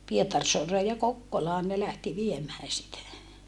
Pietarsaareen ja Kokkolaan ne lähti viemään sitä